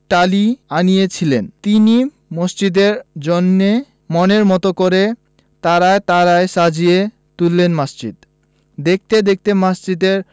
তালি আনিয়েছিলেন তিনি মসজিদের জন্যে মনের মত করে তারায় তারায় সাজিয়ে তুললেন মসজিদ দেখতে দেখতে মসজিদের